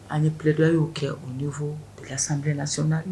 An ni plɛdon y'o kɛ o ni fɔ bila sanfɛsi na